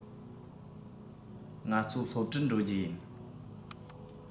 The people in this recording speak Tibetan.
ང ཚོ སློབ གྲྭར འགྲོ རྒྱུ ཡིན